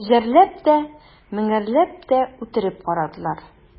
Йөзәрләп тә, меңәрләп тә үтереп карадылар.